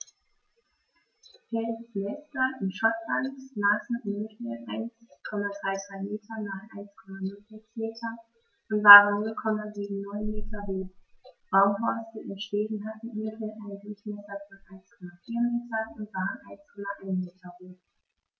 Felsnester in Schottland maßen im Mittel 1,33 m x 1,06 m und waren 0,79 m hoch, Baumhorste in Schweden hatten im Mittel einen Durchmesser von 1,4 m und waren 1,1 m hoch.